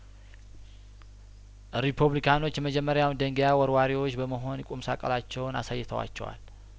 ሪፖፐሊካኖች የመጀመሪያውን ደንጊያ ወርዋሪዎች በመሆን ቁምስቅላቸውን አሳይተዋቸዋል